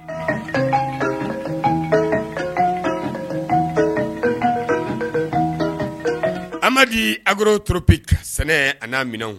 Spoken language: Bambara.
An amadu di arrotoorop sɛnɛ a n'a minɛ